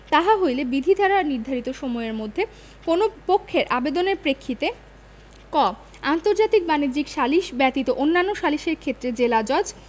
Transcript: তাহা হইলে বিধি দ্বারা নির্ধারিত সময়ের মধ্যে কোন পক্ষের আবেদনের প্রেক্ষিতে ক আন্তর্জাতিক বাণিজ্যিক সালিস ব্যতীত অন্যান্য সালিসের ক্ষেত্রে জেলাজজ